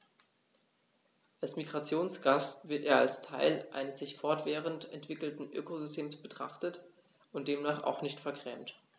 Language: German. Als Migrationsgast wird er als Teil eines sich fortwährend entwickelnden Ökosystems betrachtet und demnach auch nicht vergrämt.